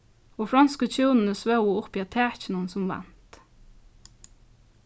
og fronsku hjúnini svóvu uppi á takinum sum vant